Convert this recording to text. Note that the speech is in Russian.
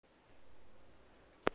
а мы тебе прямо говорим что ты кулема